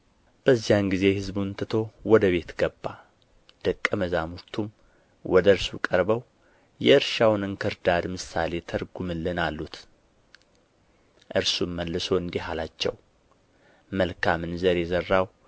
በዚያን ጊዜ ሕዝቡን ትቶ ወደ ቤት ገባ ደቀ መዛሙርቱም ወደ እርሱ ቀርበው የእርሻውን እንክርዳድ ምሳሌ ተርጕምልን አሉት እርሱም መልሶ እንዲህ አላቸው መልካምን ዘር የዘራው